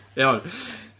Iawn.